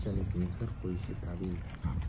mehr qo'yishi tabbiy